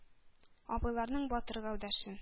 Абыйларның батыр гәүдәсен,